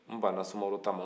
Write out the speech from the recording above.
n banna sumaworo ta ma